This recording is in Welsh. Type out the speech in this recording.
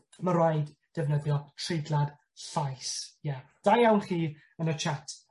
ma' raid defnyddio treiglad llaes. Ie. Da iawn chi yn y chat